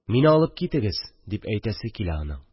Мине алып китегез! – дип әйтәсе килә аның.